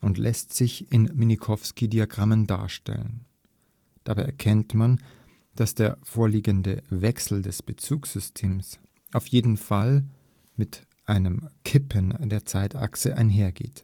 und lässt sich in Minkowski-Diagrammen darstellen. Dabei erkennt man, dass der vorliegende Wechsel des Bezugssystems auf jeden Fall (sowohl klassisch-mechanisch als auch relativistisch) mit einem „ Kippen “der Zeitachse einhergeht